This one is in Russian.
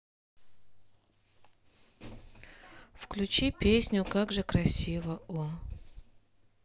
включи песню как же красива о